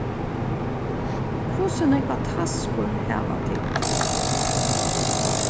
hvussu nógvar taskur hava tit